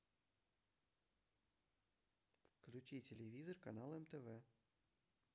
включи телевизор канал мтв